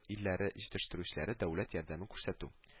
Илләре җитештерүчеләре дәүләт ярдәме күрсәтү